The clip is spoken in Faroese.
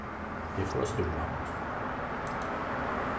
eg fór at stúra